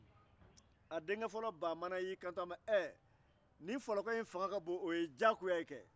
a denkɛ fɔlɔ baamana y'i kanto ɛɛ nin fɔlɔkɔ in fanga ka bon o ye diyagoya ye kɛ